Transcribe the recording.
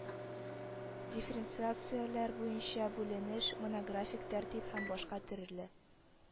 Дифференциацияләр буенча бүленеш, монографик тәртип һәм башка төрле